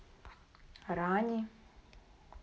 ранни